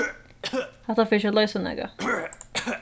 hatta fer ikki at loysa nakað